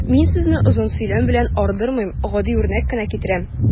Мин сезне озын сөйләм белән ардырмыйм, гади үрнәк кенә китерәм.